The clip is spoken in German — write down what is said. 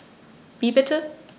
Wie bitte?